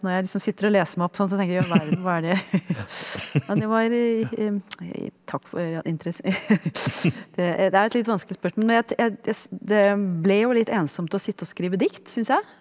når jeg liksom sitter og leser meg opp og sånn så tenker jeg hva i all verden hva er det jeg nei det var i takk for det det er et litt vanskelig spørsmål men jeg jeg det ble jo litt ensomt å sitte og skrive dikt syns jeg.